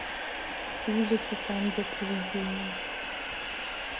ужасы там где приведения